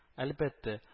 Әлбәттә